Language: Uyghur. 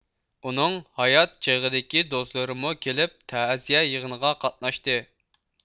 ئۇنىڭ ھايات چېغىدىكى دوستلىرىمۇ كېلىپ تەزىيە يىغنىغا قاتناشتى